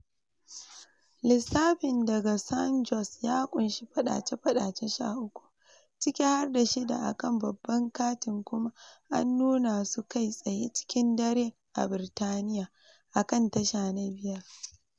Lissafin daga San Jose ya ƙunshi fadace-fadace 13, ciki harda shida a kan babban katin kuma an nuna su kai tsaye cikin dare a Birtaniya akan Tasha na 5.